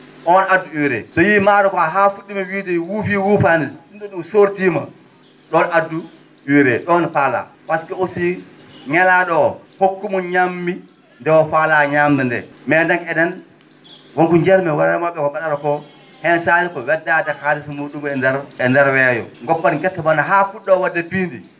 on addi UREE so yahii maaro ko haa fu??iima wiide wuufii wuufaani ?um ?o ?um soortiima ?on addu UREE ?on faalaa pasque aussi ñalaa?o oo foof hokku mbo ñammi nde o faalaa ñaamde ndee mais nak enen wonko njiyatmi won e ma??e ko mba?ata ko heen sahaaji ko weddaade haalis muu?um e ndeer e ndeer weeyo goppon gerte mon haa pu??oo wa?de piindi